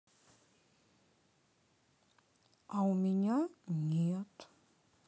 а у меня нет